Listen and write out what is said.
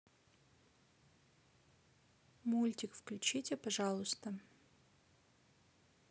мультик включите пожалуйста